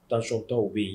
Tasɔntaw bɛ yen